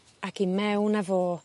Ac i mewn â fo.